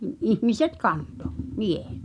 ihmiset kantoi miehet